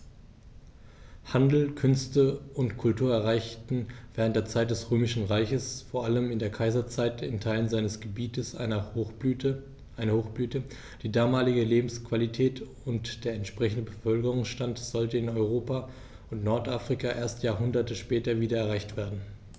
Handel, Künste und Kultur erreichten während der Zeit des Römischen Reiches, vor allem in der Kaiserzeit, in Teilen seines Gebietes eine Hochblüte, die damalige Lebensqualität und der entsprechende Bevölkerungsstand sollten in Europa und Nordafrika erst Jahrhunderte später wieder erreicht werden.